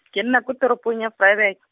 ke nna ko toropong ya Vryburg.